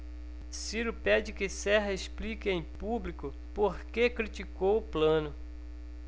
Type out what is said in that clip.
ciro pede que serra explique em público por que criticou plano